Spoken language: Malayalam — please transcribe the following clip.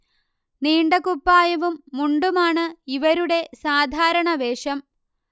നീണ്ട കുപ്പായവും മുണ്ടുമാണ് ഇവരുടെ സാധാരണ വേഷം